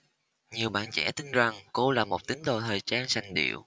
nhiều bạn trẻ tin ràng cô là một tín đồ thời trang sành điệu